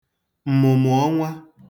m̀mụ̀mụ̀ ọnwa